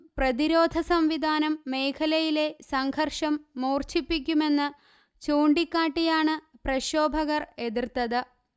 പ്രതിരോധ സംവിധാനം മേഖലയിലെ സംഘർഷം മൂർഛിപ്പിക്കുമെന്ന് ചൂണ്ടിക്കാട്ടിയാണ് പ്രക്ഷോഭകർ എതിർത്തത്